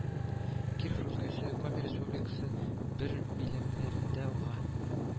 Киров өлкәсе, Коми Республикасы бер биләмәләрендә ага